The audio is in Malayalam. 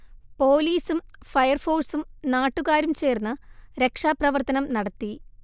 പോലീസും ഫയർഫോഴ്സും നാട്ടുകാരും ചേർന്ന് രക്ഷാപ്രവർത്തനം നടത്തി